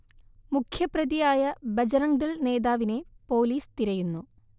മുഖ്യപ്രതിയായ ബജ്റങ്ദൾ നേതാവിനെ പോലീസ് തിരയുന്നു